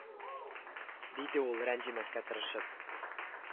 Диде ул рәнҗемәскә тырышып